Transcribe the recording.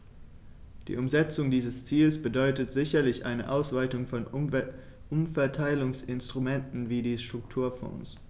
Die Umsetzung dieses Ziels bedeutet sicherlich eine Ausweitung von Umverteilungsinstrumenten wie die Strukturfonds.